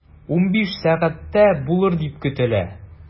15.00 сәгатьтә булыр дип көтелә.